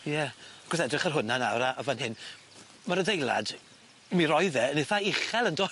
Ie acos edrych ar hwnna nawr a a fan hyn ma'r adeilad mi roedd e yn itha uchel yndoedd?